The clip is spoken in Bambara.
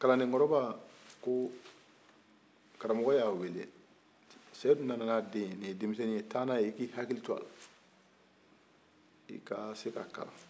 kalanden kɔrɔba karamɔgɔ y'a wele seyidu nana n'a den ye ko ni ye denmisɛnni ye taa n'a ye e ki hakili t'a la i ka se ka kalan